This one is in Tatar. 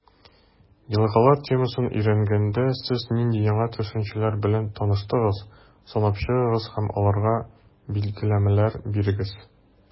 «елгалар» темасын өйрәнгәндә, сез нинди яңа төшенчәләр белән таныштыгыз, санап чыгыгыз һәм аларга билгеләмәләр бирегез.